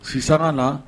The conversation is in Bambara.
Si sanga na